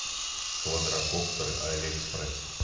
квадрокоптеры алиэкспресс